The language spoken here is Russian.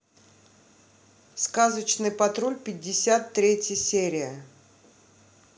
сказочный патруль пятьдесят третья серия